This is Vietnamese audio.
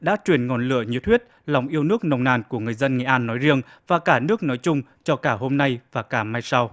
đã truyền ngọn lửa nhiệt huyết lòng yêu nước nồng nàn của người dân nghệ an nói riêng và cả nước nói chung cho cả hôm nay và cả mai sau